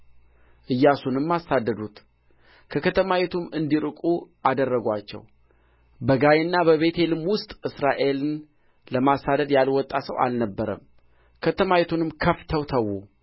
ኢያሱንም አሳደዱት ከከተማይቱም እንዲርቁ አደረጓቸው በጋይና በቤቴልም ውስጥ እስራኤልን ለማሳደድ ያልወጣ ሰው አልነበረም ከተማይቱንም ከፍተው ተዉ